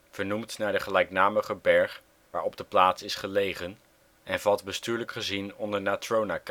vernoemd naar de gelijknamige berg waarop de plaats is gelegen, en valt bestuurlijk gezien onder Natrona